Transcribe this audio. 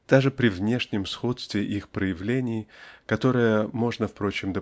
даже при внешнем сходстве их проявлений (которое можно впрочем